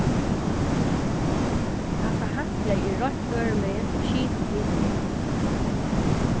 hatta handklæðið er reint øðrumegin og skitið hinumegin